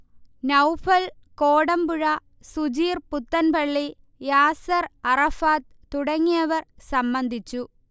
നൗഫൽ കോടമ്പുഴ, സുജീർ പുത്തൻപള്ളി, യാസർ അറഫാത് തുടങ്ങിയവർ സംമ്മന്ധിച്ചു